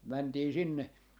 mentiin sinne